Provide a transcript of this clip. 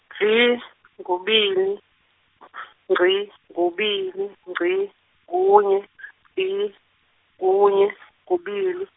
ngci, kubili, ngci, kubili, ngi, kunye, kbi-, kunye , kubili.